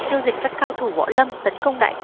tiêu diệt các cao thủ võ lâm tấn công đại